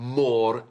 mor